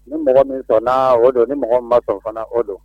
Ni mɔgɔ min sɔnna o don ni mɔgɔ min ma sɔn fana o don.